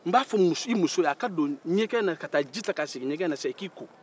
a b'a fɔ i muso ye a ka don ɲɛgɛn na ka taa ji ta ka taa sigi ɲɛgɛn na i k'i ko